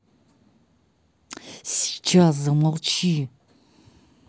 сейчас замолчи